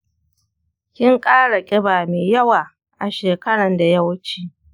kin ƙara ƙiba mai yawa a shekaran da ya wuce?